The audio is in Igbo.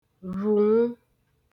vhùnwu